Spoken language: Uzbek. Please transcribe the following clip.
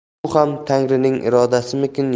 bu ham tangrining irodasimikin